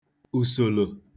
ùsòlò